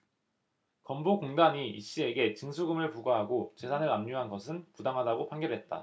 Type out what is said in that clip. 건보공단이 이씨에게 징수금을 부과하고 재산을 압류한 것은 부당하다고 판결했다